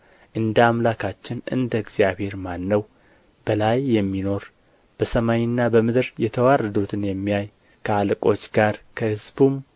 እንደ እግዚአብሔር ማን ነው በላይ የሚኖር በሰማይና በምድር የተዋረዱትን የሚያይ ከአለቆች ጋር ከሕዝቡም